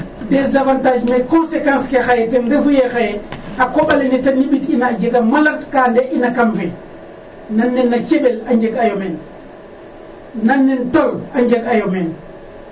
des avantages .Mais conséquence xaye ten refu yee xaye a koƥ alene ne ta niɓit'ina a jega mala ka ndefna kam fe nand ne na ceɓel a njeg'aayo meen nand nena tol a njeg'aayo meen